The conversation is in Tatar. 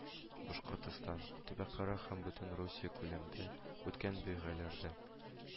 Башкортстан, төбәкара һәм Бөтенрусия күләмендә үткән бәйгеләрдә